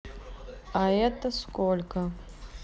а это сколько